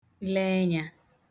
le enyā